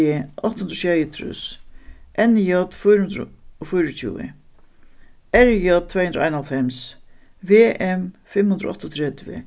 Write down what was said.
d átta hundrað og sjeyogtrýss n j fýra hundrað og fýraogtjúgu r j tvey hundrað og einoghálvfems v m fimm hundrað og áttaogtretivu